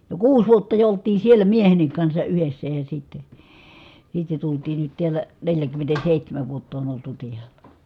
jo kuusi vuotta jo oltiin siellä miehenkin kanssa yhdessä ja sitten sitten tultiin nyt täällä neljäkymmentäseitsemän vuotta on oltu täällä